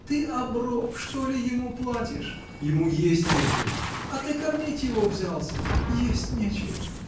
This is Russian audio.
— Ты оброк, что ли, ему платишь? — Ему есть нечего! — А ты кормить его взялся? Есть нечего!